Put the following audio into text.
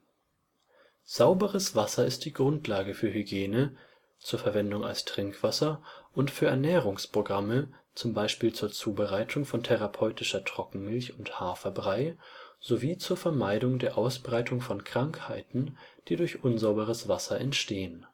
Sauberes Wasser ist die Grundlage für Hygiene, zur Verwendung als Trinkwasser und für Ernährungsprogramme, zum Beispiel zur Zubereitung von therapeutischer Trockenmilch und Haferbrei, sowie zur Vermeidung der Ausbreitung von Krankheiten, die durch unsauberes Wasser entstehen